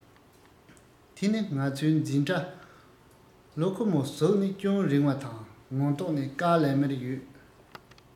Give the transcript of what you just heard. དེ ནི ང ཚོའི འཛིན གྲྭ ལ ཁོ མོའོ གཟུགས ནི ཅུང རིང བ དང ངོ མདོག ནི དཀར ལམ མེར ཡོད